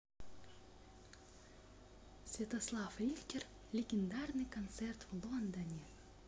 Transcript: святослав рихтер легендарный концерт в лондоне